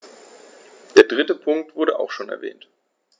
Der dritte Punkt wurde auch schon erwähnt.